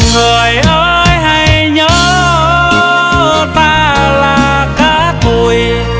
người ơi hãy nhớ ta là cát bụi